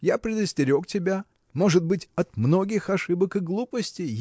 Я предостерег тебя, может быть, от многих ошибок и глупостей